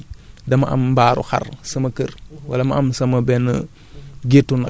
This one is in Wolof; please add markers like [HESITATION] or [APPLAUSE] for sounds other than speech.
[HESITATION] ba tay tamit bu dee dama am mbaaru xar sama kër